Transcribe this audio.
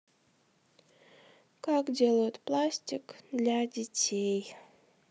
как делают пластик для детей